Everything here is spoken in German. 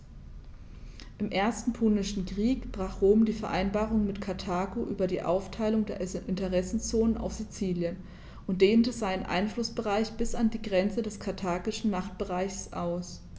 Im Ersten Punischen Krieg brach Rom die Vereinbarung mit Karthago über die Aufteilung der Interessenzonen auf Sizilien und dehnte seinen Einflussbereich bis an die Grenze des karthagischen Machtbereichs aus.